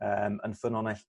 yym yn ffynonnell